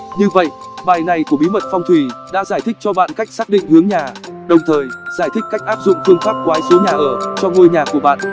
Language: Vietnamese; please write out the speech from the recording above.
như vậy bài này của bí mật phong thủy đã giải thích cho bạn cách xác định hướng nhà đồng thời giải thích cách áp dụng phương pháp quái số nhà ở cho ngôi nhà của bạn